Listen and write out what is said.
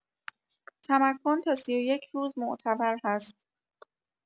تمکن تا ۳۱ روز معتبر هست.